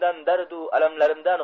dardu alamlarimdan